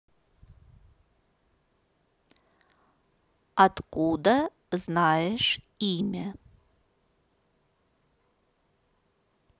откуда знаешь имя